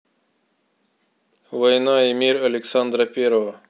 война и мир александра первого